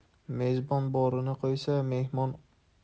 mezbon borini qo'ysa